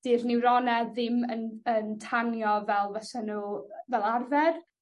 'Di'r niwrone ddim yn yn tanio fel fysa n'w yy fel arfer.